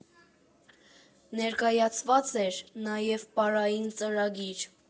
Ներկայացված էր նաև պարային ծրագիր։